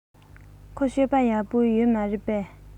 ཁོའི སྤྱོད པ ཡག པོ ཡོད མ རེད པས